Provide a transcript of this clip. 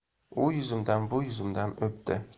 u yuzimdan bu yuzimdan o'pdi